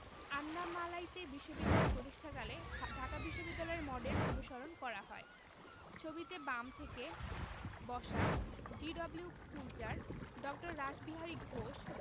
আন্নামালাইতে বিশ্ববিদ্যালয় প্রতিষ্ঠাকালে ঢাকা বিশ্ববিদ্যালয়ের মডেল অনুসরণ করা হয় ছবিতে বাম থেকে বসা জি.ডব্লিউ. কুলচার ড. রাসবিহারী ঘোষ